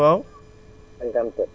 62 waaw